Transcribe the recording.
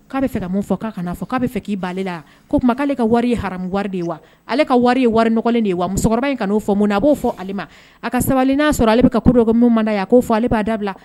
K'a bɛ fɛ ka mun fɔ k'a ka na fɔ k'a bɛ fɛ k'i ban ale wa? Ko tuma ale ka wari ye haramu wari de wa? Ale ka wari ye wari nɔgɔlen de ye wa? Musokɔrɔba in ka n'o fɔ, mun na a b'o fɔ ale ma? A ka sabali n'a y'a sɔrɔ ale bɛ ka ko dɔ mun ma di a ye a k'o fɔ, ale b'a dabila.